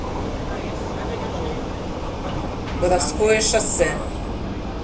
боровское шоссе